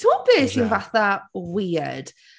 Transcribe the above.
Timod beth sy’n fatha weird?